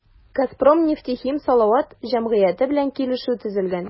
“газпром нефтехим салават” җәмгыяте белән килешү төзелгән.